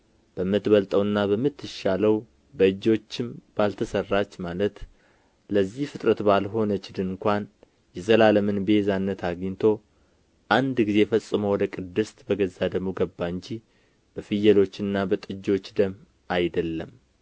በምትበልጠውና በምትሻለው በእጆችም ባልተሠራች ማለት ለዚህ ፍጥረት ባልሆነች ድንኳን የዘላለምን ቤዛነት አግኝቶ አንድ ጊዜ ፈጽሞ ወደ ቅድስት በገዛ ደሙ ገባ እንጂ በፍየሎችና በጥጆች ደም አይደለም